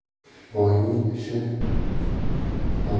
boyning ishi farmon bilan